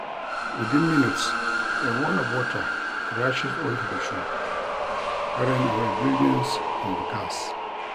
Within minutes a wall of water crashes onto the shore, carrying away buildings and cars.